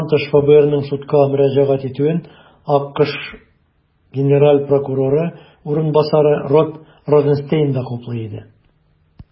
Моннан тыш, ФБРның судка мөрәҗәгать итүен АКШ генераль прокуроры урынбасары Род Розенстейн да хуплый иде.